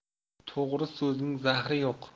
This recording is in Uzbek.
to'g'ri so'zning zahri yo'q